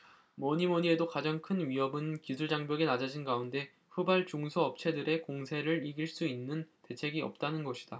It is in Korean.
뭐니뭐니해도 가장 큰 위협은 기술장벽이 낮아진 가운데 후발 중소업체들의 공세를 이길 수 있는 대책이 없다는 것이다